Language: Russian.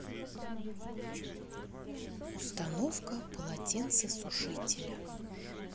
установка полотенцесушителя